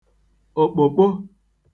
òkpòkpo